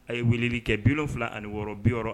A' ye weele kɛ bi 76.